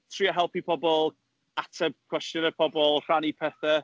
Trio helpu pobl, ateb cwestiyne pobl, rhannu pethe.